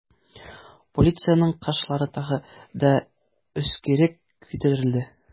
Поляницаның кашлары тагы да өскәрәк күтәрелде.